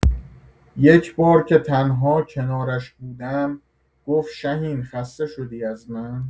یک‌بار که تنها کنارش بودم، گفت شهین خسته شدی از من؟